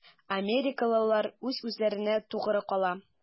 Америкалылар үз-үзләренә тугры кала.